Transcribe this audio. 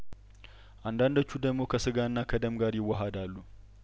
አንዳንዶቹ ደግሞ ከስጋና ከደም ጋር ይዋሀዳሉ